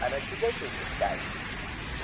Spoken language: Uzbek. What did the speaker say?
ana shu da senga kayf